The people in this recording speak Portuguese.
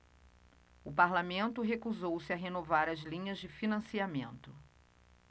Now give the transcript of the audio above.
o parlamento recusou-se a renovar as linhas de financiamento